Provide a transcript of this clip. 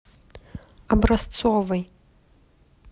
образцовой